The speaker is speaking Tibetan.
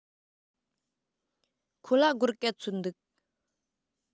ཁོ ལ སྒོར ག ཚོད འདུག